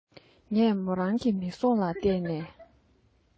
ངས མོ རང གི མིག གཟུངས ལ ལྟས ནས